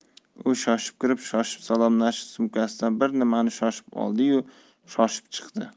u shoshib kirib shoshib salomlashib sumkasidan bir nimani shoshib oldi yu shoshib chiqdi